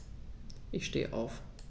Ich stehe auf.